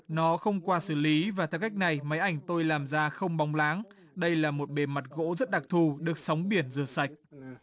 nó không qua xử lý và theo cách này máy ảnh tôi làm ra không bóng láng đây là một bề mặt gỗ rất đặc thù được sóng biển rửa sạch